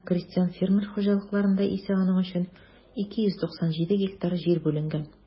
Ә крестьян-фермер хуҗалыкларында исә аның өчен 297 гектар җир бүленгән.